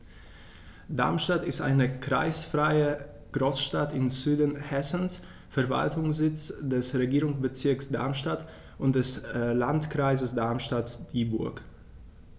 Darmstadt ist eine kreisfreie Großstadt im Süden Hessens, Verwaltungssitz des Regierungsbezirks Darmstadt und des Landkreises Darmstadt-Dieburg.